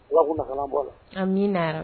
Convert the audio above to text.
Waga bɔra la an min nayara